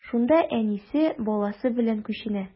Шунда әнисе, баласы белән күченә.